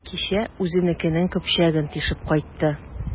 Кичә үзенекенең көпчәген тишеп кайтты.